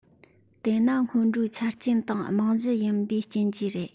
དེ ནི སྔོན འགྲོའི ཆ རྐྱེན དང རྨང གཞི ཡིན པའི རྐྱེན གྱིས རེད